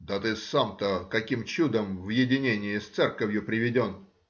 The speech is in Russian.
— Да ты сам-то каким чудом в единение с церковью приведен?